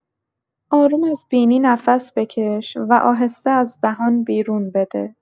آروم از بینی نفس بکش و آهسته از دهان بیرون بده.